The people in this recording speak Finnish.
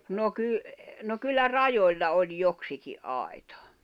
no - no kyllä rajoilla oli joksikin aita